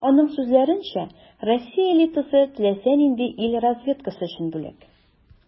Аның сүзләренчә, Россия элитасы - теләсә нинди ил разведкасы өчен бүләк.